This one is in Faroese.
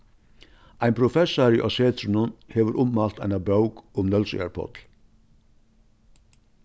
ein professari á setrinum hevur ummælt eina bók um nólsoyar páll